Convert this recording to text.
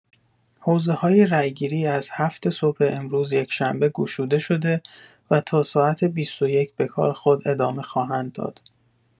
حوزه‌های رای‌گیری از هفت صبح امروز یکشنبه گشوده شده و تا ساعت ۲۱ به کار خود ادامه خواهند داد.